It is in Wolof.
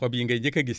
xob yi ngay njëkk a gis